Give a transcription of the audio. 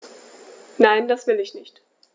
Nein, das will ich nicht.